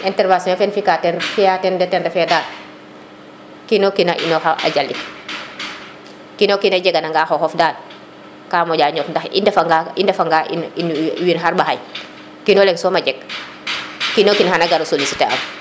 intervention fe um fika teen fiya teen rek ten refu ye dall kino kin a inoxa jalik o kino kina jega nanga xoxof daal ka moƴa ñof nda i ndefa nga i ndefa nga in wiin xarɓaxay kino leŋ soma jeg kino kin xana gara solicité ang